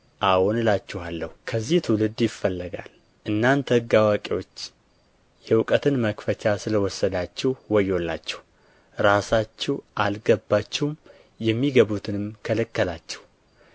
አዎን እላችኋለሁ ከዚህ ትውልድ ይፈለጋል እናንተ ሕግ አዋቂዎች የእውቀትን መክፈቻ ስለ ወሰዳችሁ ወዮላችሁ ራሳችሁ አልገባችሁም የሚገቡትንም ከለከላችሁ